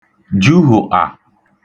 juhụ̀ṫà